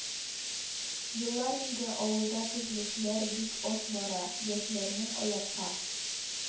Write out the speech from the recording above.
Еллар инде авылда төзелешләр бик аз бара, яшьләрнең аякка